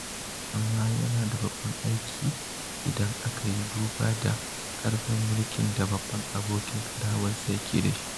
Amma yana da babban aiki idan aka yi duba da ƙarfin mulki da babban abokin karawarsa yake da shi.